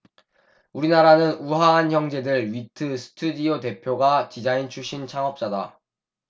우리나라는 우아한형제들 위트 스튜디오 대표가 디자인 출신 창업자다